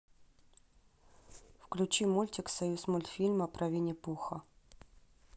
включи мультик союзмультфильма про винни пуха